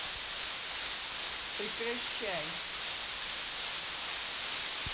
прекращай